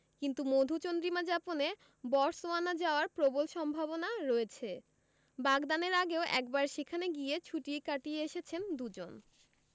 কিন্তু মধুচন্দ্রিমা যাপনে বটসওয়ানা যাওয়ার প্রবল সম্ভাবনা রয়েছে বাগদানের আগেও একবার সেখানে গিয়ে ছুটি কাটিয়ে এসেছেন দুজন